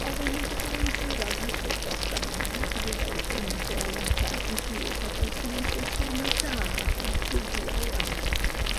Oddwn i 'di ca'l amsero'dd hyfryd dros ben, ma' rhaid i fi ddeud, yn y lleoliada i gyd, a gawson ni sesiyna da a buddiol iawn